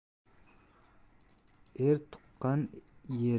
er tuqqan yeriga